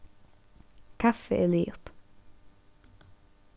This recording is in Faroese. kaffið er liðugt